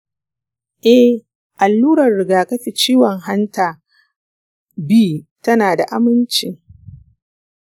eh, allurar rigakafin ciwon hanta b tana da aminci.